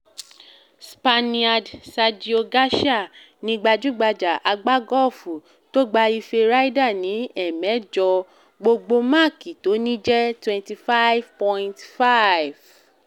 Spaniard Sergio Garcia ni gbajúgbajà agbágọ́ọ̀fù tó gba ife Ryder ní ẹẹ̀mẹjọ. Gbogbo máàkì tó ní jẹ́ 25.5.